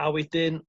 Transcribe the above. a wedyn